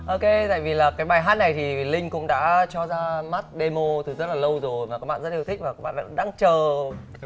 ô kê tại vì là cái bài hát này thì linh cũng đã cho ra mắt đê mô từ rất lâu rồi và các bạn rất yêu thích và các bạn đang chờ